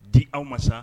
Di aw ma sa